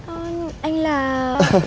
ơ anh là